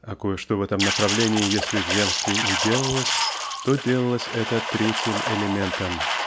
а кое-что в этом направлении если в земстве и делалось то делалось это третьим элементом.